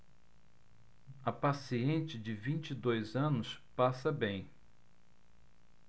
a paciente de vinte e dois anos passa bem